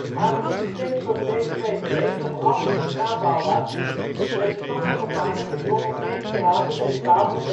Aangezien sector BIIe nog altijd in aanbouw was, werden sommige mannen gedwongen mee te helpen met de bouw van